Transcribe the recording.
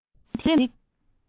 བྱུང རིམ དེ རིགས